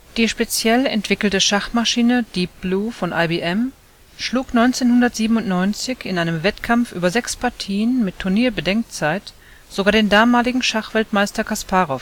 Die speziell entwickelte Schachmaschine Deep Blue von IBM schlug 1997 in einem Wettkampf über sechs Partien mit Turnierbedenkzeit sogar den damaligen Schachweltmeister Kasparow